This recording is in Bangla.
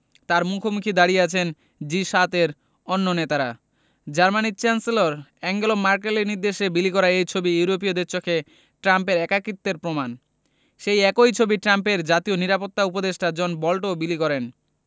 তাঁর মুখোমুখি দাঁড়িয়ে আছেন জি ৭ এর অন্য নেতারা জার্মানির চ্যান্সেলর আঙ্গেলা ম্যার্কেলের নির্দেশে বিলি করা এই ছবি ইউরোপীয়দের চোখে ট্রাম্পের একাকিত্বের প্রমাণ সেই একই ছবি ট্রাম্পের জাতীয় নিরাপত্তা উপদেষ্টা জন বোল্টনও বিলি করেন